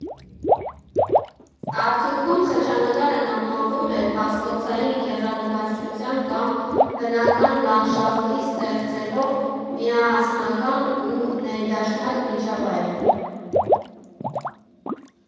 Արդյունքում, խճանկարը նմանվում էր հաստոցային գեղանկարչության կամ բնական լանդշաֆտի՝ ստեղծելով միասնական ու ներդաշնակ միջավայր։